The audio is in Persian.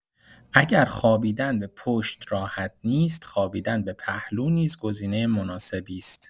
اگر خوابیدن به پشت راحت نیست، خوابیدن به پهلو نیز گزینه مناسبی است.